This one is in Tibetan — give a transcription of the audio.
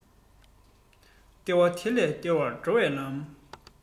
ལྟེ བ དེ ནས ལྟེ བར འགྲོ བའི ལམ